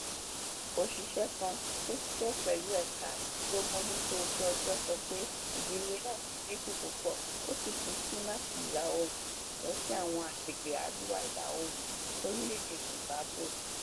Òṣìṣẹ́ kan tí ó ń ṣisẹ́ pẹ̀lú Ẹ̀ka tí ó ń Mójútó Ojú Ọjọ́ sọ pé ìjì líle náà ti dínkù púpọ̀ ó sì ti sún láti ìlà-oòrùn lọ sí àwọn agbègbè àríwá ìlà-oòrùn ti orílẹ̀-èdè Zimbabwe.